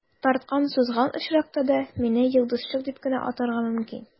Тарткан-сузган очракта да, мине «йолдызчык» дип кенә атарга мөмкин.